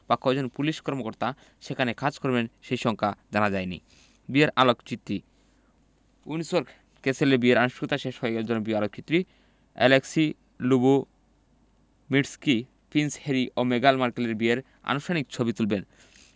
বা কয়জন পুলিশ কর্মকর্তা সেখানে কাজ করবেন সেই সংখ্যা জানা যায়নি বিয়ের আলোকচিত্রী উইন্ডসর ক্যাসেলে বিয়ের আনুষ্ঠানিকতা হয়ে গেলে জনপ্রিয় আলোকচিত্রী অ্যালেক্সি লুবোমির্সকি প্রিন্স হ্যারি ও মেগান মার্কেলের বিয়ের আনুষ্ঠানিক ছবি তুলবেন